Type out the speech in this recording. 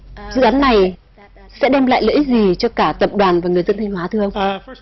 dự án này sẽ đem lại lợi ích gì cho cả tập đoàn và người dân thanh hóa thưa ông